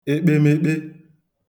ekpemekpe